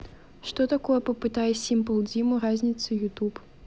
что такое попытай simple диму разница youtube